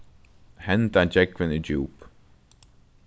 hendan gjógvin er djúp